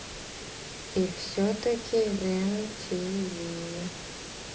и все таки рен ти ви